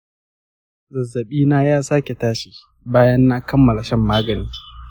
zazzabina ya sake tashi bayan na kammala shan magani.